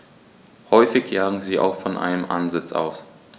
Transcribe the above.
Häufig jagen sie auch von einem Ansitz aus.